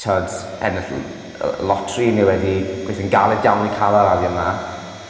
t'od s- ennill l- y lottery neu wedi gweithio'n galed iawn i ca'l yr arian 'ma